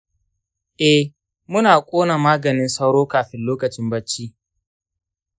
eh, muna kona maganin sauro kafin lokacin bacci.